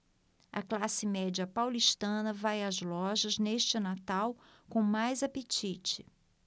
a classe média paulistana vai às lojas neste natal com mais apetite